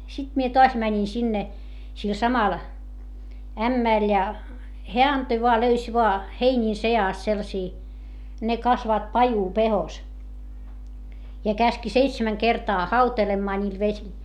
sitten minä taas menin sinne sille samalle ämmälle ja hän antoi vain löysi vain heinien seasta sellaisia ne kasvavat pajupehkossa ja käski seitsemän kertaa hautelemaan niillä vesillä